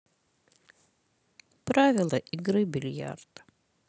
правила игры бильярд